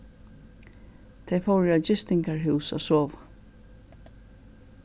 tey fóru á gistingarhús at sova